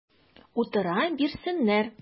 Утыра бирсеннәр!